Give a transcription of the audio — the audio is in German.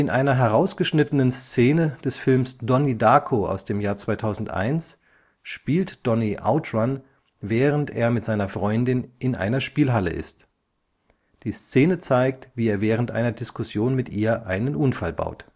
einer herausgeschnittenen Szene des Films Donnie Darko von 2001 spielt Donnie Out Run, während er mit seiner Freundin in einer Spielhalle ist. Die Szene zeigt, wie er während einer Diskussion mit ihr einen Unfall baut